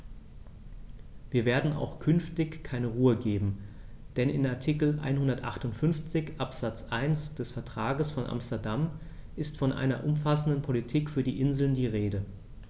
Wir werden auch künftig keine Ruhe geben, denn in Artikel 158 Absatz 1 des Vertrages von Amsterdam ist von einer umfassenden Politik für die Inseln die Rede.